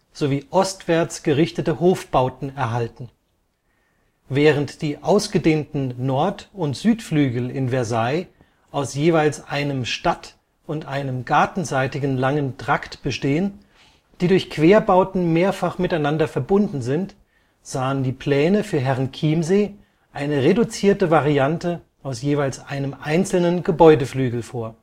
sowie ostwärts gerichtete Hofbauten erhalten. Während die ausgedehnten Nord - und Südflügel in Versailles aus jeweils einem stadt - und einem gartenseitigen langen Trakt bestehen, die durch Querbauten mehrfach miteinander verbunden sind, sahen die Pläne für Herrenchiemsee eine reduzierte Variante aus jeweils einem einzelnen Gebäudeflügel vor